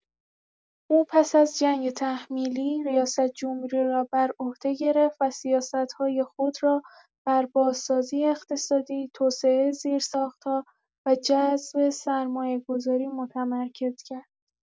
او پس از جنگ تحمیلی، ریاست‌جمهوری را برعهده گرفت و سیاست‌های خود را بر بازسازی اقتصادی، توسعه زیرساخت‌ها و جذب سرمایه‌گذاری متمرکز کرد.